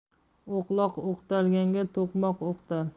o'qloq o'qtalganga to'qmoq o'qtal